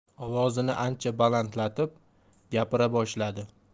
ovozini ancha balandlatib gapira boshladi